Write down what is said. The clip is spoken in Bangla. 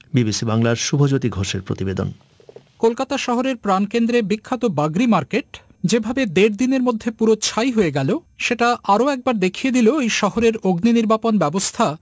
বিবিসি বাংলার শুভজ্যোতি ঘোষ এর প্রতিবেদন কলকাতা শহরের প্রাণকেন্দ্রে বাগরি মার্কেট যেভাবে দেড় দিনের গেল সেটা আরও একবার দেখিয়ে দিল এই শহরের অগ্নিনির্বাপণ ব্যবস্থা